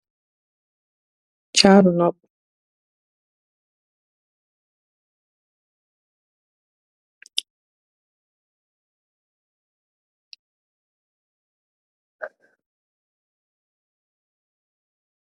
Jarroh nopu gigeen yi nyu ku de jaffa ndeko .